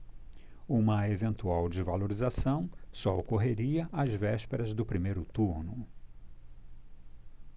uma eventual desvalorização só ocorreria às vésperas do primeiro turno